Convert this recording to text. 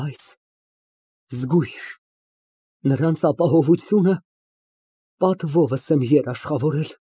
Բայց զգույշ, նրանց ապահովությունը պատվովս եմ երաշխավորել։